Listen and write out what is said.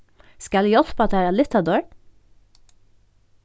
skal eg hjálpa tær at lyfta teir